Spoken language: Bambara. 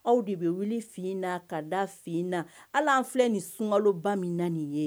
Aw de bɛ wuli fina ka da fina ala filɛ nin sunkaloba min na nin ye